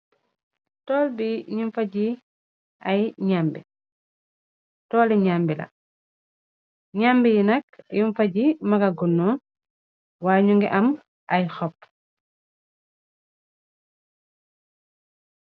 Tolli ñambi la ñambi yi nakk yumfaj yi maga guno. Way ñu ngi am ay xopp.